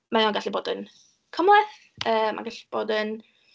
Mae o'n gallu bod yn cymhleth, yym, mae'n gallu bod yn...